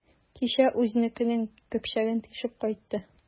Кичә үзенекенең көпчәген тишеп кайтты.